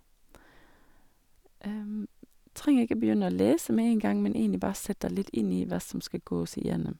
Trenger ikke begynne å lese med en gang, men egentlig bare sett deg litt inn i hva som skal gåes igjennom.